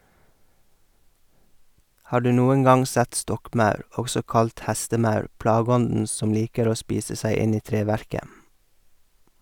Har du noen gang sett stokkmaur, også kalt hestemaur, plageånden som liker å spise seg inn i treverket?